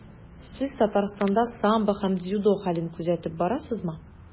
Сез Татарстанда самбо һәм дзюдо хәлен күзәтеп барасызмы?